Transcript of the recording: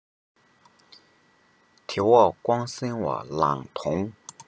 དེ འོག ཀོང སྲིང བ ལང དོང